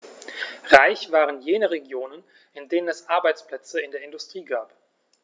Reich waren jene Regionen, in denen es Arbeitsplätze in der Industrie gab.